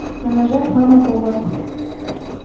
на ножах мама повар